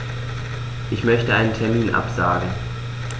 Ich möchte einen Termin absagen.